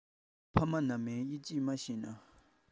ཕ མ མནའ མའི དབྱེ འབྱེད མ ཤེས ན